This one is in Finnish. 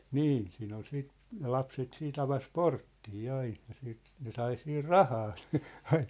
niin siinä oli sitten ne lapset sitten avasi porttia aina ja sitten ne sai siinä rahaa sitten aina